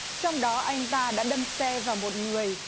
trong đó anh ta đã đâm xe vào một người